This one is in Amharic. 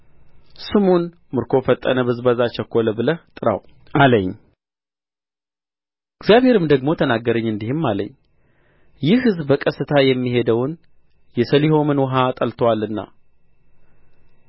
ስሙን ምርኮ ፈጠነ ብዝበዛ ቸኰለ ብለህ ጥራው አለኝ እግዚአብሔርም ደግሞ ተናገረኝ እንዲህም አለኝ ይህ ሕዝብ በቀስታ የሚሄደውን የሰሊሆምን ውኃ ጠልቶአልና